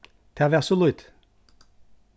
tað var so lítið